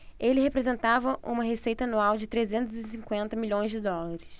ele representava uma receita anual de trezentos e cinquenta milhões de dólares